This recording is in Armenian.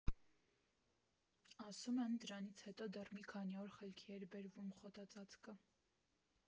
Ասում են՝ դրանից հետո դեռ մի քանի օր խելքի էր բերվում խոտածածկը.